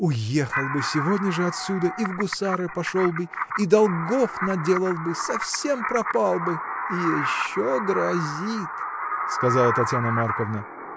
— Уехал бы сегодня же отсюда: и в гусары пошел бы, и долгов наделал бы, совсем пропал бы! — Еще грозит! — сказала Татьяна Марковна.